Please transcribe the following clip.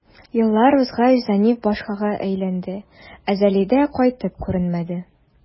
Еллар узгач, Зәниф башкага өйләнде, ә Зәлидә кайтып күренмәде.